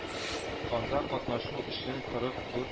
Анда катнашу өчен кырык дурт